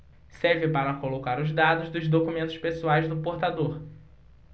serve para colocar os dados dos documentos pessoais do portador